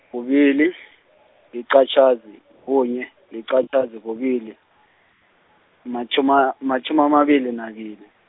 kubili, liqatjhazi, kunye, liqatjhazi, kubili, matjhuma- matjhumi, amabili nambili.